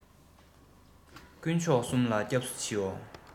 ཀུན མཆོག གསུམ ལ སྐྱབས སུ འཆིའོ